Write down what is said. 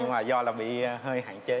nhưng mà do là bị hơi hạn chế